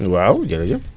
waaw jërëjëf